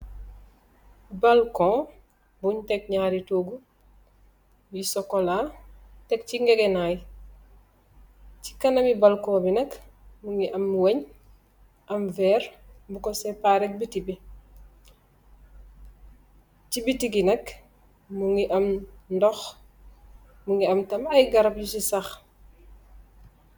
Balkoo bunj tek nyaari toogu yu sokola, tek si ngegenaay, ci kanami balkoo bi nak mingi am weej, am veer, bu ko separe biti ngi, ci bitingi nak mingi am dox, mingi am tam ay garab yu si sax